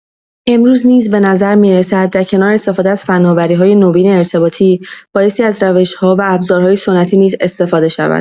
امروز نیز بنظر می‌رسد در کنار استفاده از فناوری‌های نوین ارتباطی بایستی از روش‌ها و ابزارهای سنتی نیز استفاده شود.